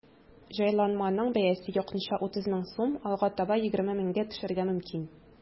Җайланманың бәясе якынча 30 мең сум, алга таба 20 меңгә төшәргә мөмкин.